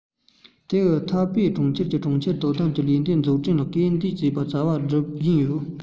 དེའི ཐའེ པེ གྲོང ཁྱེར གྱི གྲོང ཁྱེར དོ དམ གྱི ལས དོན འཛུགས སྐྱོང ལ སྐུལ འདེད བྱེད པའི བྱ བ སྒྲུབ བཞིན ཡོད